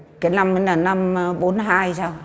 cái năm ấy là năm bốn hai hay sao